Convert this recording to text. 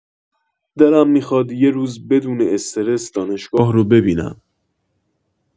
دلم می‌خواد یه روز بدون استرس دانشگاه رو ببینم